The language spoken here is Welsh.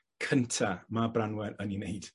cynta ma' Branwen yn 'i neud?